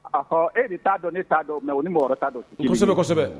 A e ni' dɔn e t'a dɔn mɛ o ni mɔgɔ' dɔnsɛbɛ